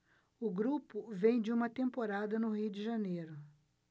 o grupo vem de uma temporada no rio de janeiro